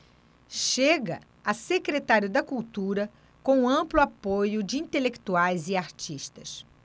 chega a secretário da cultura com amplo apoio de intelectuais e artistas